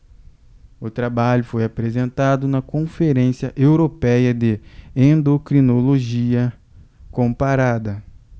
o trabalho foi apresentado na conferência européia de endocrinologia comparada